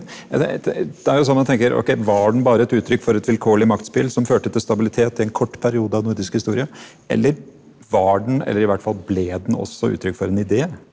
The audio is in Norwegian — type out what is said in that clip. ja det det er jo sånn man tenker ok var den bare et uttrykk for et vilkårlig maktspill som førte til stabilitet i en kort periode av nordisk historie eller var den eller i hvert fall ble den også uttrykk for en idé?